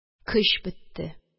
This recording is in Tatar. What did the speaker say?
Көч бетте